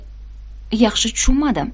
yaxshi tushunmadim